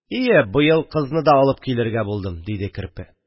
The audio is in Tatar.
– ие, быел кызны да алып килергә булдым, – диде керпе.